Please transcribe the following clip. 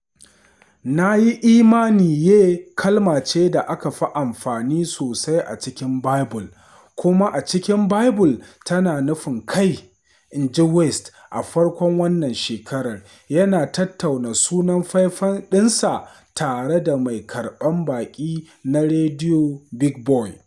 “Na yi imani ‘ye’ kalma ce da aka fi amfani sosai a cikin Baibul, kuma a cikin Baibul tana nufin ‘kai,” inji West a farkon wannan shekarar, yana tattauna sunan faifan ɗinsa tare da mai karɓan baƙi na rediyo Big Boy.